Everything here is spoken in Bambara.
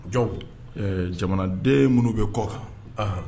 Jɔn jamanaden minnu bɛ kɔ kan anhan